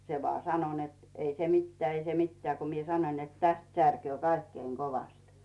se vain sanoi että ei se mitään ei se mitään kun minä sanoin että tästä särkee kaikkein kovasti